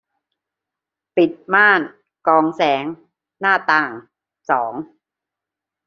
ปิดม่านกรองแสงหน้าต่างสอง